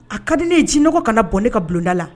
A ka di ne jiɔgɔ ka na bɔn ne ka bulonda la